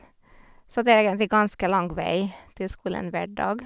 Så det er egentlig ganske lang vei til skolen hver dag.